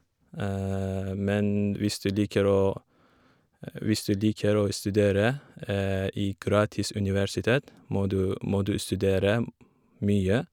Men hvis du liker å hvis du liker å studere i gratis universitet, må du må du studere m mye.